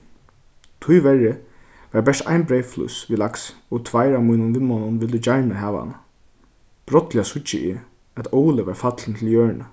tíverri var bert ein breyðflís við laksi og tveir av mínum vinmonnum vildu gjarna hava hana brádliga síggi eg at óli var fallin til jørðina